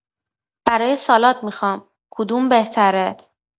برای سالاد می‌خوام، کدوم بهتره؟